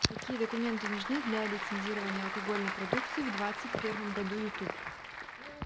какие документы нужны для лицензирования алкогольной продукции в двадцать первом году youtube